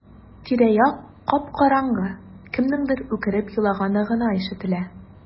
Тирә-як кап-караңгы, кемнеңдер үкереп елаганы гына ишетелә.